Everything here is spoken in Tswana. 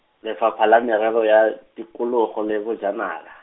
Lefapha la Merero ya, Tikologo le Bojanala.